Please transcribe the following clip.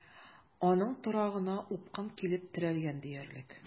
Аның торагына упкын килеп терәлгән диярлек.